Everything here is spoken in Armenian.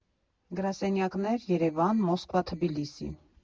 Գրասենյակներ՝ Երևան, Մոսկվա, Թբիլիսի։